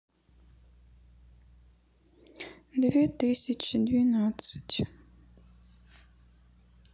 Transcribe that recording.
две тысячи двенадцать